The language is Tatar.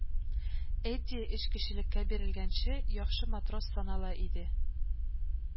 Эдди, эчкечелеккә бирелгәнче, яхшы матрос санала иде